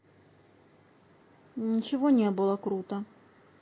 ничего не было круто